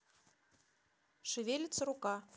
шевелится рука